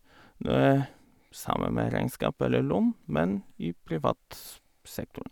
Noe samme med regnskap eller lønn, men i privat sektor.